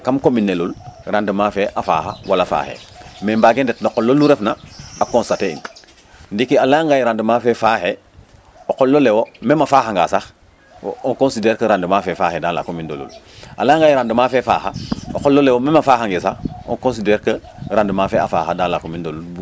kam commune ke lul rendement fe a faaxa wala faaxee mais mbage ndet no qol olu ref na a contater in ndiiki a layanga yee rendement fe faaxee o qol ole wo meme a faaxanga sax wo on considére que rendement fe faaxee dans la commune de lul a leya nga ye rendement fe faxa o qolo lewo meme a faxe nge sax on considére que rendement fe faxe dans la commune de lul